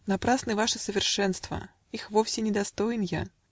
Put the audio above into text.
Напрасны ваши совершенства: Их вовсе недостоин я.